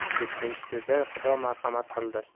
yettinchisida xudo marhamat qildi